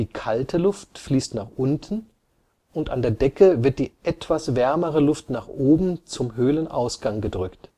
kalte Luft fließt nach unten und an der Decke wird die etwas wärmere Luft nach oben, zum Höhlenausgang gedrückt